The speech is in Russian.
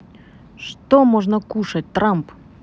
что можно кушать трамп